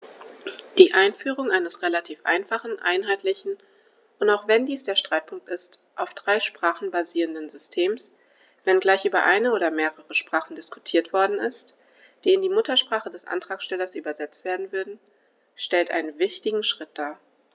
Die Einführung eines relativ einfachen, einheitlichen und - auch wenn dies der Streitpunkt ist - auf drei Sprachen basierenden Systems, wenngleich über eine oder mehrere Sprachen diskutiert worden ist, die in die Muttersprache des Antragstellers übersetzt werden würden, stellt einen wichtigen Schritt dar.